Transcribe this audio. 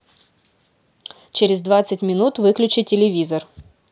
через двадцать минут выключи телевизор